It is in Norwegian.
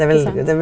ikkje sant.